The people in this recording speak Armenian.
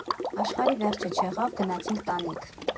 Աշխարհի վերջը չեղավ՝ գնացինք տանիք։